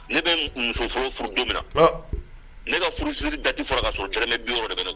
Ne bɛ muso furu furu don min na ne ka furu siri dati fara ka sɔrɔmɛ bi yɔrɔ de bɛ